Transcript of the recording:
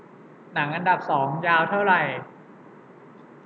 หนังอันดับสองยาวเท่าไหร่